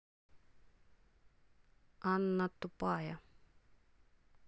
анна тупая